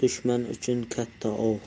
dushman uchun katta ov